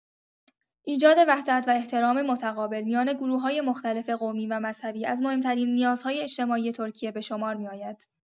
ایجاد وحدت و احترام متقابل میان گروه‌های مختلف قومی و مذهبی از مهم‌ترین نیازهای اجتماعی ترکیه به شمار می‌آید.